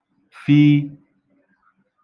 f